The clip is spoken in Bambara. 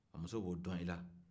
muso b'o dɔn e la